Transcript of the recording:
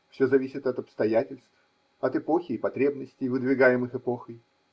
Все зависит от обстоятельств, от эпохи и потребностей, выдвигаемых эпохой.